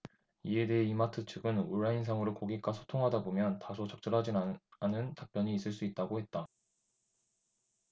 이에 대해 이마트 측은 온라인상으로 고객과 소통하다보면 다소 적절하지 않은 답변이 있을 수 있다고 했다